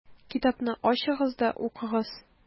Китапны ачыгыз да укыгыз: